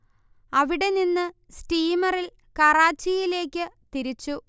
അവിടെനിന്ന് സ്റ്റീമറിൽ കറാച്ചിയിലേക്ക് തിരിച്ചു